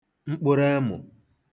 mkpụrụ emụ̀